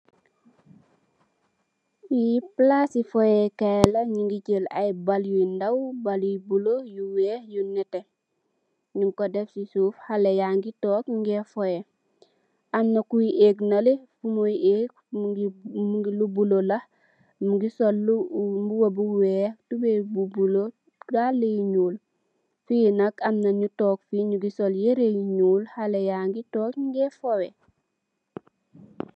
Lii ay palaas i fooye kaay la, ñu ngi jël ay bal yu ndaw, bal yu bulo, yu nette, ñung ko def, xalé yaa ngi toog, fooye, melni kuy ëgg nale, Fu muy ëgg..mu ngi sol mbubu bu weex, tubooy bu bulo, dallë yu ñuul, fii nak am na ñu fa toog, xalé yaa ngi toog ñu ngey fooye,